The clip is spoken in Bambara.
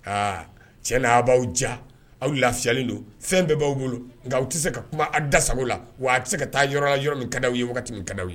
Aa cɛ n'a b'aw ja aw lafiyalilen don fɛn bɛɛ b'aw bolo nka tɛ se ka kuma a dasago la wa tɛ se ka taa yɔrɔ yɔrɔ min ka aw ye waati min ka aw ye